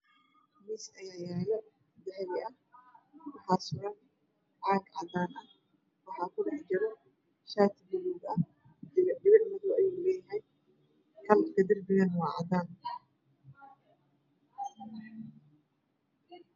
Miis ayaa yaalo dahabi ah waxaa suran caag cadaan ah waxaa ku dhex jiro shaati gaduud ah dhibic dhibic madow ayuu leeyahay kalarka darbigana waa cadaan